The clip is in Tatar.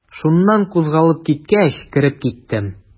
Шуннан кузгалып киткәч, кереп киттем.